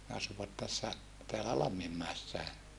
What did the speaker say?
ne asuivat tässä täällä Lamminmäessäkin